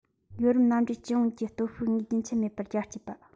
ཡོ རོབ མནའ འབྲེལ སྤྱི ཡོངས ཀྱི སྟོབས ཤུགས དངོས རྒྱུན ཆད མེད པར རྒྱ བསྐྱེད པ